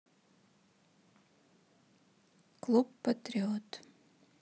клуб патриот